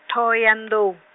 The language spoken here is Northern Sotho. Thohoyandou.